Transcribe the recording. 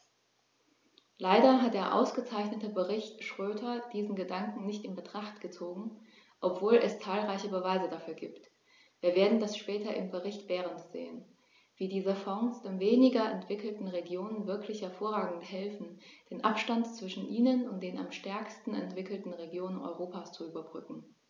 Leider hat der ausgezeichnete Bericht Schroedter diesen Gedanken nicht in Betracht gezogen, obwohl es zahlreiche Beweise dafür gibt - wir werden das später im Bericht Berend sehen -, wie diese Fonds den weniger entwickelten Regionen wirklich hervorragend helfen, den Abstand zwischen ihnen und den am stärksten entwickelten Regionen Europas zu überbrücken.